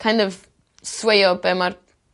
kin' of swayo be' ma'r